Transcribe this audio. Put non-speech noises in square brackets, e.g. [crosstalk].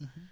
[hesitation] [hesitation]